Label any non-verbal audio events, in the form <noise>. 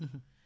<hesitation> <hesitation>